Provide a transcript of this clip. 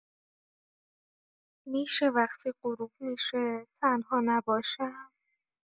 می‌شه وقتی غروب می‌شه تنها نباشم؟